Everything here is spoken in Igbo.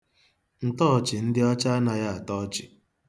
Ntọọchị ndị ọcha anaghị atọ ọchị.